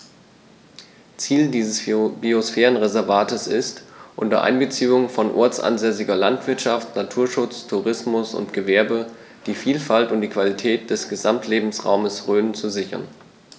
Ziel dieses Biosphärenreservates ist, unter Einbeziehung von ortsansässiger Landwirtschaft, Naturschutz, Tourismus und Gewerbe die Vielfalt und die Qualität des Gesamtlebensraumes Rhön zu sichern.